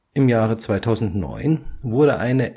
Im Jahre 2009 wurde eine